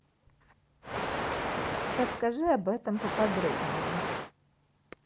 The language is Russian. расскажи об этом поподробнее